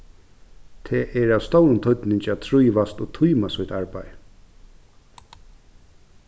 tað er av stórum týdningi at trívast og tíma sítt arbeiði